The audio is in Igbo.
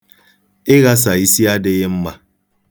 Ịghasa isi adịghị mma.